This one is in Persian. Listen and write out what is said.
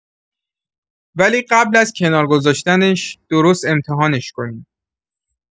ولی قبل از کنار گذاشتنش، درست امتحانش کنیم.